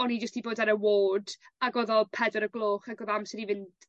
o'n i jyst 'di bod ar y ward ag o'dd o pedwar o'r gloch ag o'dd amser i fynd